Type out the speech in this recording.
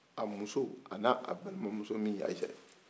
a muso n'a balimamuso min ye ayise ye